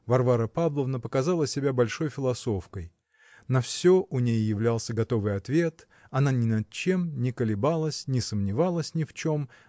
Варвара Павловна показала себя большой философкой: на все у ней являлся готовый ответ, она ни над чем не колебалась, не сомневалась ни в чем